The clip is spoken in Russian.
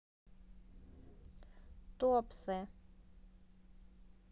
туапсе